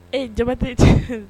Ee jama tɛ ten